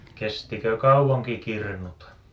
kestikö kauankin kirnuta